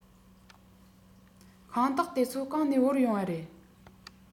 ཤིང ཏོག དེ ཚོ གང ནས དབོར ཡོང བ རེད